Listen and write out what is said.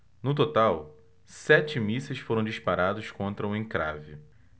no total sete mísseis foram disparados contra o encrave